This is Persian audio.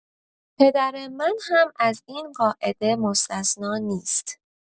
پدر من هم از این قاعده مستثنی نسیت.